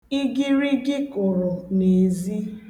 Igirigi kụrụ n'ezi.